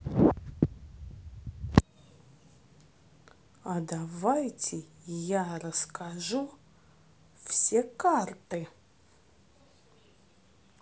а давайте я расскажу все карты